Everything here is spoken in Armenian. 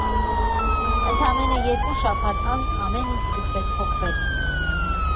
Ընդամենը երկու շաբաթ անց ամեն ինչ սկսեց փոխվել։